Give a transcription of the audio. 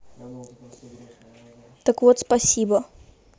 так вот спасибо